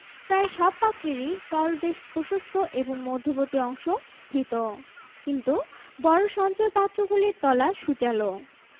প্রায় সব পাত্রেরই তলদেশ প্রশস্ত এবং মধবর্তী অংশ স্ফীত কিন্তু বড় সঞ্চয় পাত্রগুলির তলা সূচালো